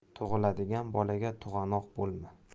tug'iladigan bolaga to'g'anoq bo'lma